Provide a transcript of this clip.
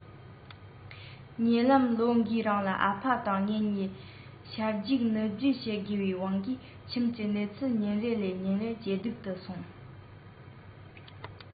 ཉེ ལམ ལོ འགའི རིང ལ ཨ ཕ དང ངེད གཉིས ཤར རྒྱུག ནུབ རྒྱུག བྱེད དགོས པའི དབང གིས ཁྱིམ གྱི གནས ཚུལ ཉིན རེ ལས ཉིན རེར ཇེ སྡུག ཏུ སོང